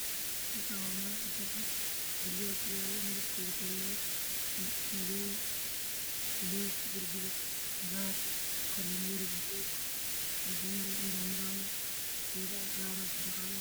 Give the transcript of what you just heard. Meeshaan waa meel maqaayad ah waxaa gees uga yaalla xeebaha waxaa ku yaala guryo